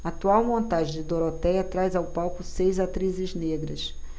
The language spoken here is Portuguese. a atual montagem de dorotéia traz ao palco seis atrizes negras